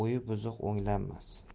o'yi buzuq o'ngalmas